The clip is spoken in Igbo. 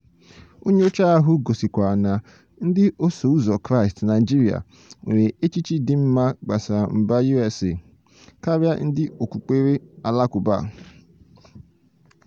Nnyocha ahụ gosikwara na Ndị Osoụzọ Kraịstị Naịjirịa "nwere echiche dị mma gbasara mba US (pasentị iri isii na itoolu ) karịa ndị Okukpere Alakụba (pasentị iri ise na anọ )".